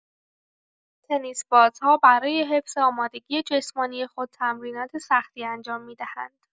تنیس‌بازها برای حفظ آمادگی جسمانی خود تمرینات سختی انجام می‌دهند.